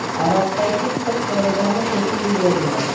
aroqdagi qirq darajani qo'shib yuradilar